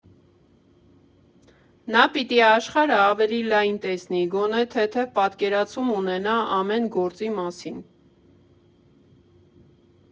Նա պիտի աշխարհը ավելի լայն տեսնի, գոնե թեթև պատկերացում ունենա ամեն գործի մասին։